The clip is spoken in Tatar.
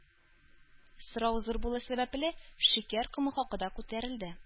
Сорау зур булу сәбәпле, шикәр комы хакы да күтәрелде